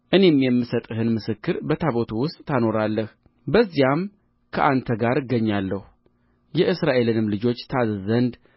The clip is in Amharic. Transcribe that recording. እኔም የምሰጥህን ምስክር በታቦቱ ውስጥ ታኖረዋለህ በዚያም ከአንተ ጋር እገናኛለሁ የእስራኤልንም ልጆች ታዝዝ ዘንድ